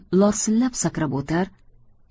lorsillab sakrab o'tar